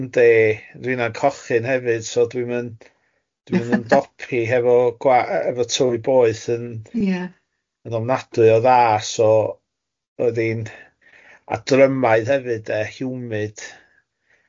Yndi, ond mae dwina'n cochyn hefyd, so dwi'm yn dwi'm yn ymdopi hefo gwa- efo tywy boeth yn ie yn ofnadwy o dda, so oedd hi'n a drymaidd hefyd de, humid.